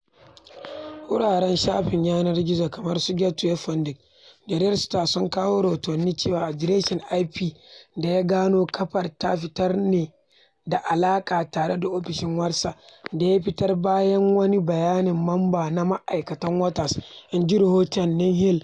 Wuraren shafin yanar gizo kamar su Gateway Pundit da RedState sun kawo rahoto cewa adireshin IP da ya gano kafar ta fitarwa na da alaƙa tare da ofishin Waters" da ya fitar da bayanin na wani mamba na ma'aikatan Waters, inji rahoton Hill.